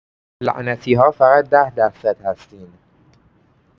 لعنتی‌ها فقط ده درصد هستین